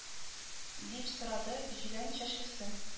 Дип сорады җирән чәчлесе